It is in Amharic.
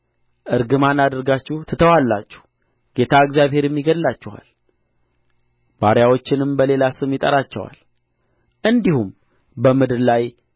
ርግማን አድርጋችሁ ትተዋላችሁ ጌታ እግዚአብሔርም ይገድላችኋል ባሪያዎቹንም በሌላ ስም ይጠራቸዋል እንዲሁም በምድር ላይ